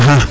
axa